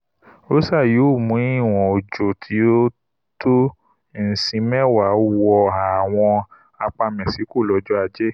Rosa yóò mú ìwọn òjò tí ó tó íǹsì mẹ́wàá wọ àwọn apá Mẹ́ṣíkò lọ́jọ́ Ajé.